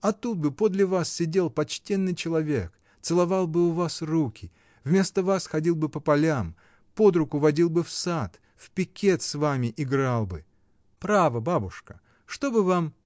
А тут бы подле вас сидел почтенный человек, целовал бы у вас руки, вместо вас ходил бы по полям, под руку водил бы в сад, в пикет с вами играл бы. Право, бабушка, что бы вам.